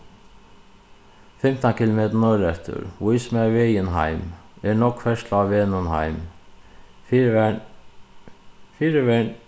fimtan kilometur norðeftir vís mær vegin heim er nógv ferðsla á vegnum heim